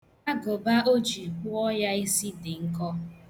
Agụba o ji kpụọ ya isi dị nkọ.